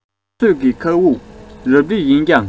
ས སྲོད ཀྱི མཁའ དབུགས རབ རིབ ཡིན ཀྱང